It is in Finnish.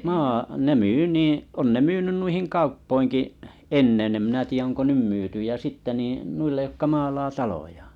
- ne myy niin on ne myynyt noihin kauppoihinkin ennen en minä tiedä onko nyt myyty ja sitten niin noille jotka maalaa talojaan